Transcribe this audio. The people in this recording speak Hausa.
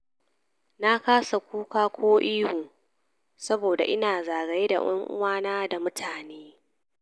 Na kasa kuka ko ihu saboda ina zagaye da yan’uwa da mutane.